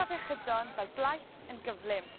afiechydon fel blight yn gyflym